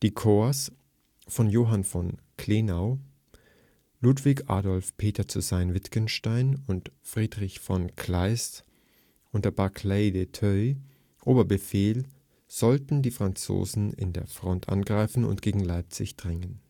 Korps von Johann von Klenau, Ludwig Adolf Peter zu Sayn-Wittgenstein und Friedrich von Kleist unter Barclay de Tollys Oberbefehl sollten die Franzosen in der Front angreifen und gegen Leipzig drängen